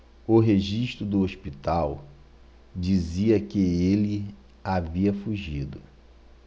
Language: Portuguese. o registro do hospital dizia que ele havia fugido